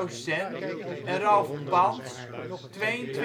stemmen) en Ralph Pans 22,9 % (4914